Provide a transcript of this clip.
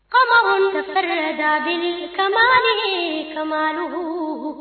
Faama tɛ da ka mindugu